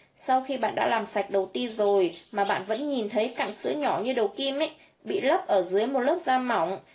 sau khi bạn đã làm sạch đầu ti rồi mà bạn nhìn thấy cặn sữa nhỏ như đầu kim ý bị lấp ở dưới một lớp da mỏng